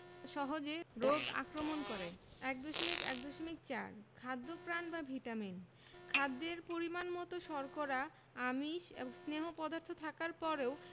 সহজে রোগ আক্রমণ করে ১.১.৪ খাদ্যপ্রাণ বা ভিটামিন খাদ্যে পরিমাণমতো শর্করা আমিষ এবং স্নেহ পদার্থ থাকার পরেও